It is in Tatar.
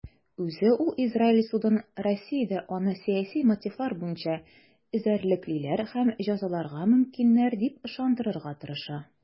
Үзе ул Израиль судын Россиядә аны сәяси мотивлар буенча эзәрлеклиләр һәм җәзаларга мөмкиннәр дип ышандырырга тырыша.